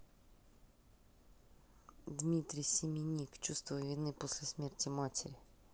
дмитрий семеник чувство вины после смерти матери